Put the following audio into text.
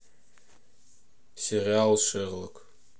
сериал шерлок